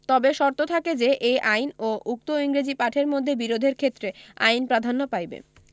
তবে শর্ত থাকে যে এই আইন ও উক্ত ইংরেজী পাঠের মধ্যে বিরোধের ক্ষেত্রে আইন প্রাধান্য পাইবে